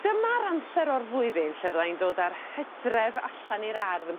Dyma'r amser o'r flwyddyn lle fydda i'n dod â'r Hydref allan i'r ardd ym...